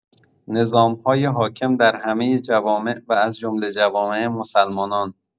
نظام‌های حاکم در همه جوامع و از جمله جوامع مسلمانان